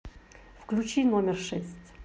включи номер шесть